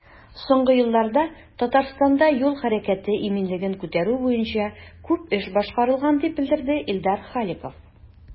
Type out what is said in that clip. Соңгы елларда Татарстанда юл хәрәкәте иминлеген күтәрү буенча күп эш башкарылган, дип белдерде Илдар Халиков.